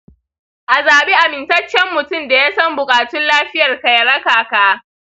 a zaɓi amintaccen mutum da ya san bukatun lafiyarka ya raka ka.